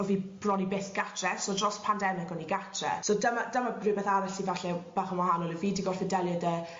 ...o' fi bron i byth gatre so dros pandemic o'n i gatre so dyma dyma rhwbeth arall sy falle bach yn wahanol yw fi 'di gorffod delio 'de